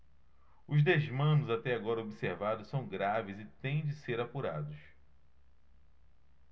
os desmandos até agora observados são graves e têm de ser apurados